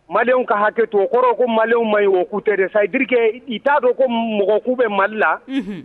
Maliɲɛnw ka hakɛ to, o kɔrɔ ye di? c'est a dire _ Maliɲɛnw ma ɲi, ,o tɛ dɛ u t'a dɔn ko mɔgɔ k'u bɛ Mali la